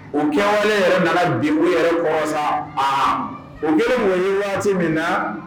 U kɛwale yɛrɛ nana bi u yɛrɛ kɔ sa a o kɛra mun ye waati min na